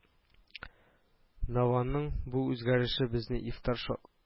Наваның бу үзгәреше безне ифтарша